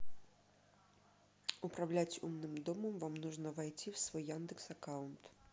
управлять умным домом вам нужно войти в свой яндекс аккаунт